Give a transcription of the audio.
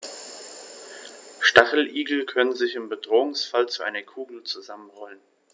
Stacheligel können sich im Bedrohungsfall zu einer Kugel zusammenrollen.